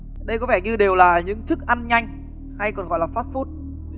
đây có vẻ như đều là những thức ăn nhanh hay còn gọi là phát phút